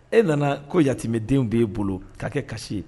E nana ko yatimɛdenw b'e bolo k'a kɛ kasi ye